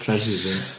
President.